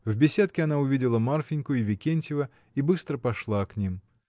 В беседке она увидела Марфиньку и Викентьева и быстро пошла к ним.